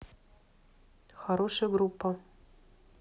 хорошая группа